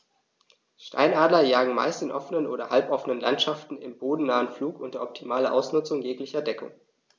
Steinadler jagen meist in offenen oder halboffenen Landschaften im bodennahen Flug unter optimaler Ausnutzung jeglicher Deckung.